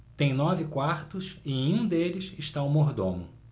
tem nove quartos e em um deles está o mordomo